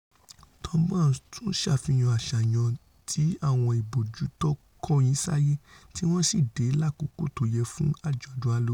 Thom Browne tún ṣàfihàn àṣàyan ti àwọn ìbòjú tókọyìnsáyé - tíwọn sí dé láàkókò tóyẹ fún àjọdún Halloween.